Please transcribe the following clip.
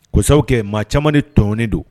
Ko sabu kɛ maa caman de tɔɲɔnnen do.